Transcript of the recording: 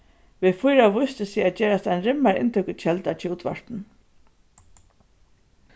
v4 vísti seg at gerast ein rimmar inntøkukelda hjá útvarpinum